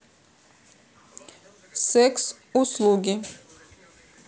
секс услуги